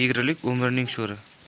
egrilik umrning sho'ri